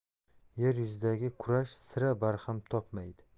yer yuzidagi kurash sira barham topmaydi